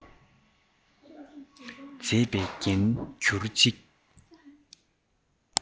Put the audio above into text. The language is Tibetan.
མཛེས པའི རྒྱན གྱུར ཅིག